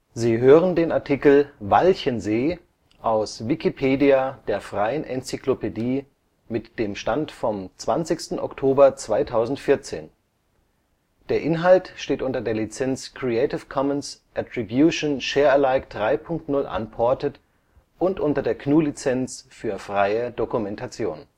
Sie hören den Artikel Walchensee, aus Wikipedia, der freien Enzyklopädie. Mit dem Stand vom Der Inhalt steht unter der Lizenz Creative Commons Attribution Share Alike 3 Punkt 0 Unported und unter der GNU Lizenz für freie Dokumentation